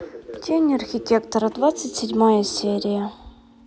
тень архитектора двадцать седьмая серия